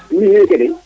meme yaay ke den